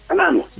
a nana